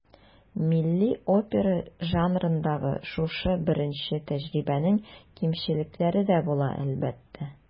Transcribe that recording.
Милли опера жанрындагы шушы беренче тәҗрибәнең кимчелекләре дә була, әлбәттә.